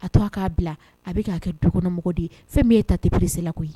A to a k'a bila, a bɛ k'a kɛ dukɔnɔmɔgɔden ye, f'o min e tɛ presser la ko ye